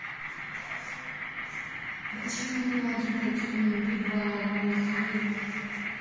почему ноги такие неубиваемые